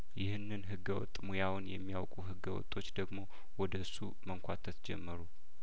ይህንን ህገ ወጥ ሙያውን የሚያውቁ ህገ ወጦች ደግሞ ወደሱ መንኳተት ጀመሩ